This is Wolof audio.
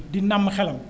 di nàmm xelam